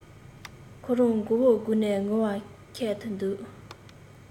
ཁོ རང མགོ བོ སྒུར ནས ངུ ལ ཁད དུ འདུག